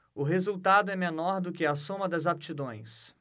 o resultado é menor do que a soma das aptidões